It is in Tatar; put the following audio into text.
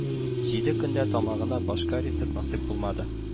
Җиде көндә тамагына башка ризык насыйп булмады